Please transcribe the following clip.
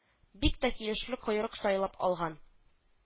Бик тә килешле койрык сайлап алган